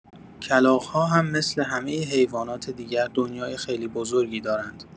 کلاغ‌ها هم مثل همه حیوانات دیگر، دنیای خیلی بزرگی دارند.